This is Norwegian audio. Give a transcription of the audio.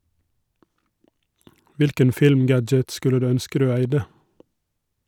Hvilken film-gadget skulle du ønske du eide?